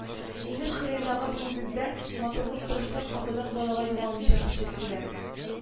Инеш кырыендагы бу нигездә матурлык-тырышлык атадан балага югалмыйча күчеп килә